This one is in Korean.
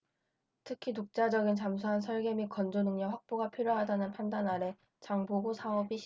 특히 독자적인 잠수함 설계 및 건조 능력 확보가 필요하다는 판단아래 장보고 사업이 시작됐다